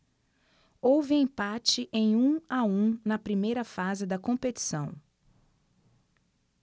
houve empate em um a um na primeira fase da competição